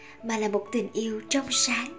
mà là một tình yêu trong sáng